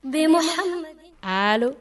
Be Moamadi, aaalo